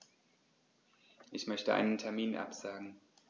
Ich möchte einen Termin absagen.